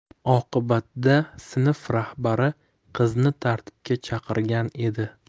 oqibatda sinf rahbari qizni tartibga chaqirgan edi